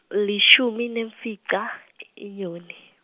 lishumi nemfica i- iNyoni.